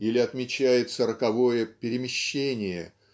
Или отмечается роковое "перемещение"